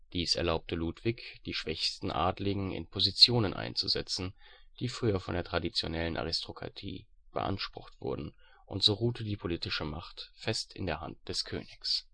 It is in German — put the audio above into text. Dies erlaubte Ludwig, die schwächsten Adeligen in Positionen einzusetzen, die früher von der traditionellen Aristokratie beansprucht wurden, und so ruhte die politische Macht fest in der Hand des Königs